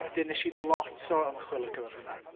Wedyn wnes i lot o ymchwil ar gyfer hwnna.